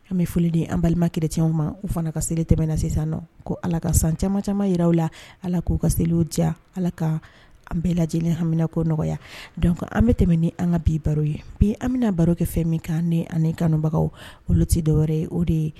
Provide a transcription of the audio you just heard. An bɛ foli ni an balima kiirirecw ma u fana ka seli tɛm na sisan nɔ ko ala ka san camanma caman jira aw la ala k'u ka seli diya ala ka an bɛɛ lajɛlen hamina ko nɔgɔya dɔn an bɛ tɛmɛ ni an ka bi baro ye bi an bɛna baro kɛ fɛn min kan ni ani kanubagaw olu tɛ dɔw ye o de ye